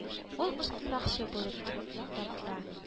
Ул ычкынмакчы булып тор тартыла